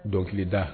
Dɔnkili da